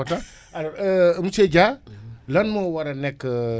lan moo war a nekk taxawaayu béykat bi